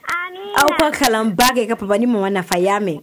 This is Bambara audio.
Amiina aw ka kalanba kɛ ka papa ni mama nafa i y'a mɛ